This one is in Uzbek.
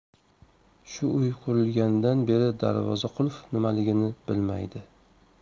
shu uy qurilganidan beri darvoza qulf nimaligini bilmaydi